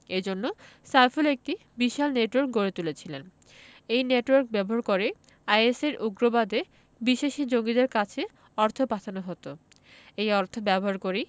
এ জন্য সাইফুল একটি বিশাল নেটওয়ার্ক গড়ে তুলেছিলেন এই নেটওয়ার্ক ব্যবহার করে আইএসের উগ্রবাদে বিশ্বাসী জঙ্গিদের কাছে অর্থ পাঠানো হতো এই অর্থ ব্যবহার করেই